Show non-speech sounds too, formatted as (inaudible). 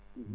(hesitation) (hesitation)